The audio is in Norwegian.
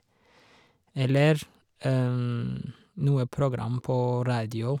Eller noe program på radio.